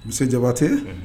Monsieur Diabaté unhun